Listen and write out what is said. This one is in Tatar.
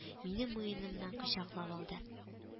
Минем муеннан кочаклап алды